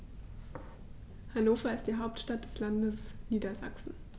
Hannover ist die Hauptstadt des Landes Niedersachsen.